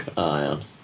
O iawn.